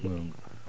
goonga